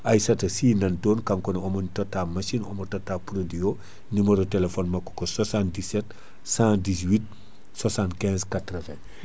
Aissta Sy nanton kanko ne omona totta machine omo totta produit o numéro téléphone makko ko 77 118 75 80